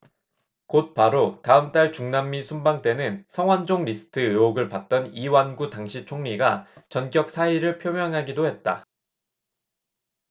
곧바로 다음달 중남미 순방 때는 성완종 리스트 의혹을 받던 이완구 당시 총리가 전격 사의를 표명하기도 했다